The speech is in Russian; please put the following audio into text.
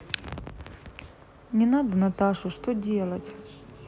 не надо наташе что делать